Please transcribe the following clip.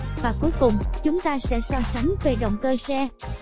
và cuối cùng chúng ta sẽ so sánh về động cơ xe